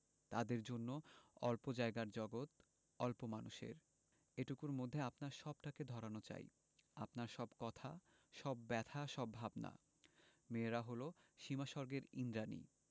তাদের জন্য অল্প জায়গার জগত অল্প মানুষের এটুকুর মধ্যে আপনার সবটাকে ধরানো চাই আপনার সব কথা সব ব্যাথা সব ভাবনা মেয়েরা হল সীমাস্বর্গের ঈন্দ্রাণী